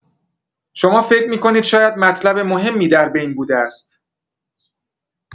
شما فکر می‌کنید شاید مطلب مهمی در بین بوده است.